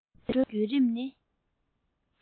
འགྲོ བའི བརྒྱུད རིམ ནི